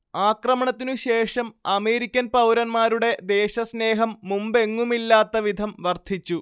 ആക്രമണത്തിനു ശേഷം അമേരിക്കൻ പൗരന്മാരുടെ ദേശസ്നേഹം മുമ്പെങ്ങുമില്ലാത്ത വിധം വർദ്ധിച്ചു